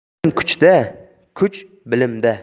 bilim kuchda kuch bilimda